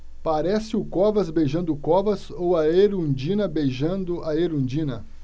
parece o covas beijando o covas ou a erundina beijando a erundina